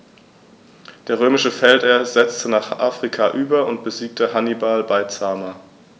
Der römische Feldherr setzte nach Afrika über und besiegte Hannibal bei Zama.